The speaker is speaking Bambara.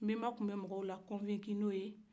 nbenba kun bɛ mɔgɔw la famuya n'o ye